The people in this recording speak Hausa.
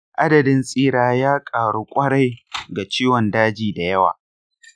adadin tsira ya ƙaru ƙwarai ga ciwon daji da yawa.